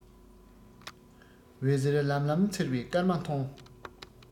འོད ཟེར ལམ ལམ འཚེར བའི སྐར མ མཐོང